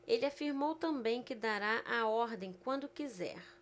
ele afirmou também que dará a ordem quando quiser